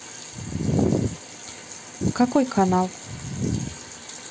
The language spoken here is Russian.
какой канал